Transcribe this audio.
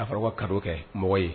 A fɔr'aw ka cadeau kɛ mɔgɔ ye